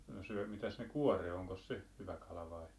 no - mitäs se kuore onkos se hyvä kala vai